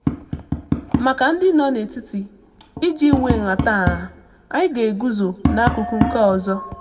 Maka ndị nọ n'etiti, iji nwe nhatanha, anyị ga-eguzo n'akụkụ nke ọzọ.